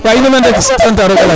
wa in mbay men rek sant a roog rek Elhaj